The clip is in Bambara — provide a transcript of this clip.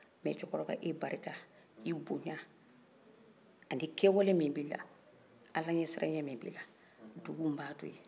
mɛ cɛkɔrɔba e barika i bonya ani kɛwale min b'i la alaɲɛsiranya min b'i la dugu n b'a to yen